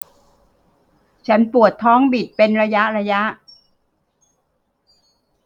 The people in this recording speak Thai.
ฉันปวดท้องบิดเป็นระยะระยะ